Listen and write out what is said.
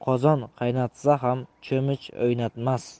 qozon qaynatsa ham cho'mich o'ynatmas